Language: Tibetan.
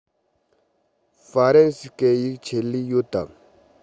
ཧྥ རན སིའི སྐད ཡིག ཆེད ལས ཡོད དམ